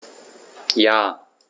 Ja.